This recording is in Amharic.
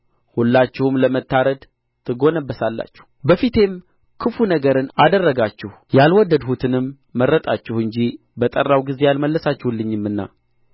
ሁላችሁም ለመታረድ ትጐነበሳላችሁ በፊቴም ክፉ ነገርን አደረጋችሁ ያልወደድሁትንም መረጣችሁ እንጂ በጠራሁ ጊዜ አልመለሳችሁልኝምና